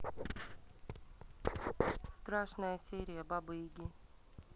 страшная серия бабы яги